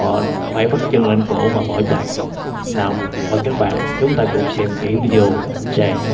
họ phải vắt chân lên cổ mà bỏ chạy nào mời các bạn chúng ta cùng xem kỹ video sẽ rõ